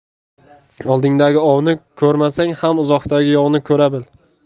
oldingdagi ovni ko'rmasang ham uzoqdagi yovni ko'ra bil